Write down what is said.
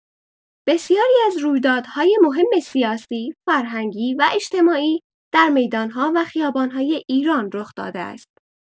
بسیاری از رویدادهای مهم سیاسی، فرهنگی و اجتماعی در میدان‌ها و خیابان‌های ایران رخ‌داده است.